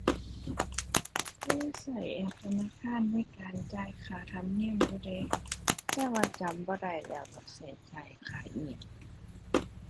เคยใช้แอปธนาคารในการจ่ายค่าธรรมเนียมอยู่เดะ แต่ว่าจำบ่ได้แล้วว่าใช้จ่ายค่าอิหยัง